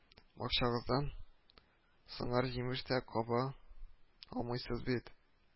Бакчагыздан сыңар җимеш тә каба алмыйсыз бит